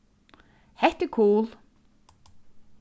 hetta er kul